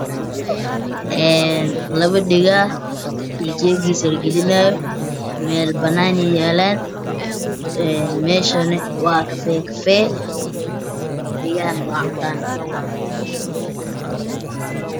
Waa labo dhago iyo jeegiisa lagalinaayo, meel banaan oo kafay ah ayay yaalaan, dhaguhu waa cadaan.